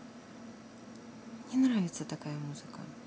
не нравится такая музыка